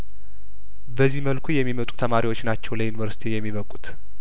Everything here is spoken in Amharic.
በዚህ መልኩ የሚመጡ ተማሪዎች ናቸው ለዩኒቨርስቲው የሚበቁት